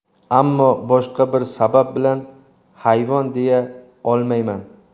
ammo boshqa bir sabab bilan hayvon deya olmayman